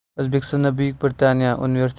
o'zbekistonda buyuk britaniya